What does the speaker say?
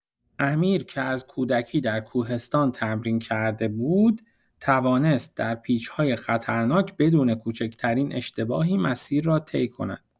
امیر که از کودکی در کوهستان تمرین کرده بود، توانست در پیچ‌های خطرناک بدون کوچک‌ترین اشتباهی مسیر را طی کند.